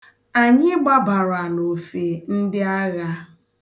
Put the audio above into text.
Anyị gbabara n'ofe ndịagha.